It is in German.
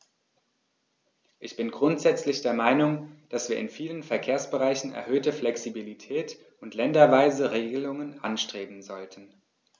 Ich bin grundsätzlich der Meinung, dass wir in vielen Verkehrsbereichen erhöhte Flexibilität und länderweise Regelungen anstreben sollten.